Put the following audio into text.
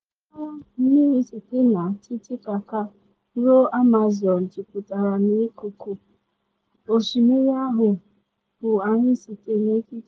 Ọdụ ndị agha mmiri site na Titicaca ruo Amazon juputara na ekuku: “Osimiri ahụ bụ anyị site n’ikike.